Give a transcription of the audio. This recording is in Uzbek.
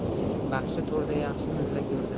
baxshi to'rda yaxshi mulla go'rda